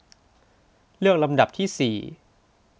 เลือกลำดับที่สี่